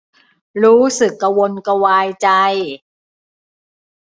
รู้สึกกระวนกระวายใจ